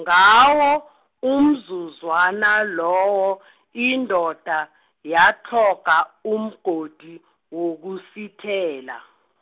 ngawo, umzuzwana lowo , indoda, yatlhoga, umgodi, wokusithela.